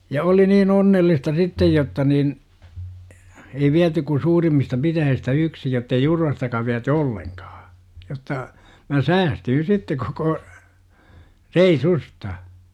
ja oli niin onnellista sitten jotta niin ei viety kuin suurimmista pitäjistä yksi jotta ei Jurvastakaan viety ollenkaan jotta minä säästyin sitten koko reissusta